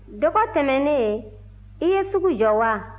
dɔgɔ tɛmɛnnen i ye sugu jɔ wa